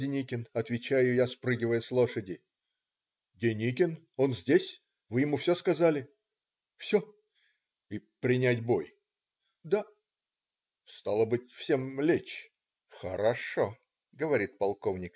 Деникин",- отвечаю я, спрыгивая с лошади. "Деникин? Он здесь? Вы ему всё сказали?" - "Всё". - "И принять бой?" - "Да". -,<Стало быть, всем лечь. Хорошо",- говорит полк.